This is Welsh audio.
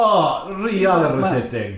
O, real irritating.